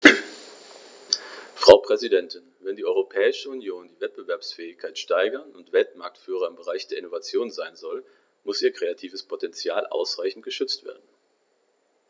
Frau Präsidentin, wenn die Europäische Union die Wettbewerbsfähigkeit steigern und Weltmarktführer im Bereich der Innovation sein soll, muss ihr kreatives Potential ausreichend geschützt werden.